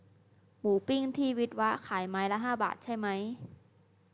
หมูปิ้งที่วิศวะขายไม้ละห้าบาทใช่ไหม